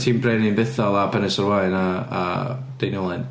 Ti'n brenin Bethel a Penisa'r-waun a a Deiniolen.